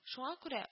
Шуңа күрә